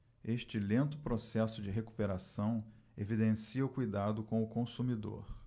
este lento processo de recuperação evidencia o cuidado com o consumidor